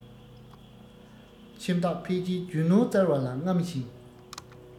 ཁྱིམ བདག ཕལ ཆེར རྒྱུ ནོར བཙལ བ ལ རྔམ ཞིང